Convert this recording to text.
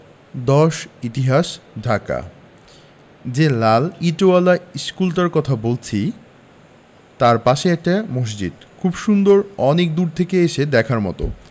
১০ ইতিহাস ঢাকা যে লাল ইটোয়ালা ইশকুলটার কথা বলছি তাই পাশেই একটা মসজিদ খুব সুন্দর অনেক দূর থেকে এসে দেখার মতো